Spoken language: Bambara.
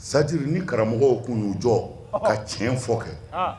Sajiri ni karamɔgɔ tun y'o jɔ ka tiɲɛ fɔ kɛ